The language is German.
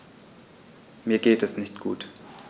Mir geht es nicht gut.